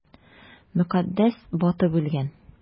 Мөкаддәс батып үлгән!